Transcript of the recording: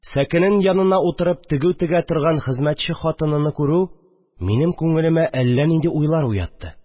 Сәкенең янына утырып тегү тегә торган хезмәтче хатыныны күрү минем күңелемә әллә нинди уйлар уятты